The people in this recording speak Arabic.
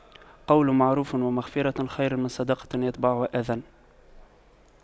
قَولٌ مَّعرُوفٌ وَمَغفِرَةُ خَيرٌ مِّن صَدَقَةٍ يَتبَعُهَا أَذًى